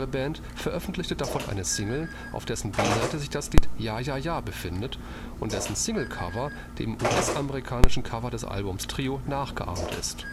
Band veröffentlichte davon eine Single, auf dessen B-Seite sich das Lied Ja ja ja befindet und dessen Single-Cover dem US-amerikanischen Cover des Albums Trio nachgeahmt ist